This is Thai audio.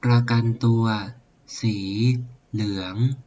ประกันตัวสีเหลือง